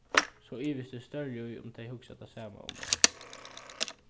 so ivist eg stórliga í um tey hugsa tað sama um meg